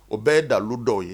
O bɛɛ ye dalilu dɔw ye